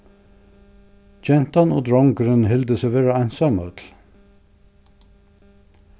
gentan og drongurin hildu seg vera einsamøll